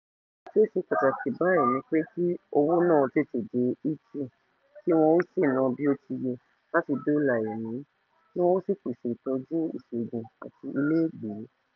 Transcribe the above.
Ohun tí ó ṣe pàtàkì báyìí ni pé kí owó náà tètè de Haiti kí wọn ó sì na bí ó ti yẹ láti dóòlà ẹ̀mí, kí wọ́n ó sì pèsè ìtọ́jú ìṣègùn àti ilégbèé.